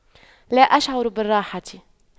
لا أشعر بالراحة